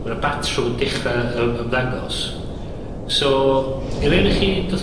...ma' 'na batrwm yn dechra yym ymddangos. So i rei o'noch chi doth i...